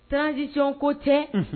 Transition ko tɛ, Un.